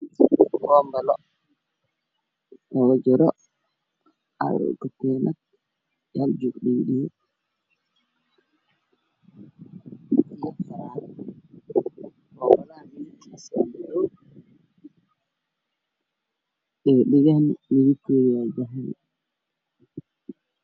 Pompolo ee ku jiraan khudaar xaaqdaarta ka mid ah moss iyo liin dhinto waa jecelous waa cagaar